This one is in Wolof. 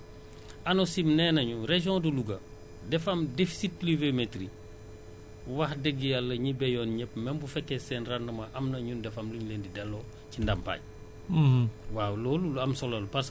foofu tamit am na solo parce que bu fekkee ne ANACIM nee nañu région de Louga dafa am déficit pluviomètrique wax dëgg Yàlla ñi bayoon ñépp même bu fekkee seen rendement am na ñun dafa am lu ñu leen di delloo ci ndàmpaay